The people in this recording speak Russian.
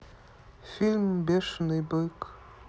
фильм бешенный бык